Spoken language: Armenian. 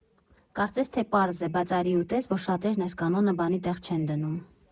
Կարծես թե պարզ է, բայց արի ու տես, որ շատերն այս կանոնը բանի տեղ չեն դնում։